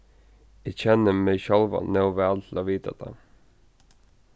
eg kenni meg sjálva nóg væl til at vita tað